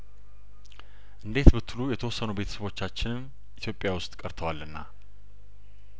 እንዴት ብትሉ የተወሰኑ ቤተሰቦቻችንን ኢትዮጵያ ውስጥ ቀርተዋልና